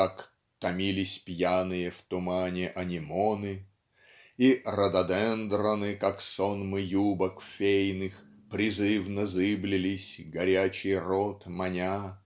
как "томились пьяные в тумане анемоны" и "рододендроны как сонмы юбок фейных призывно зыблились горячий рот маня"